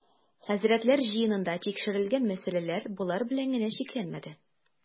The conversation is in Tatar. Хәзрәтләр җыенында тикшерел-гән мәсьәләләр болар белән генә чикләнмәде.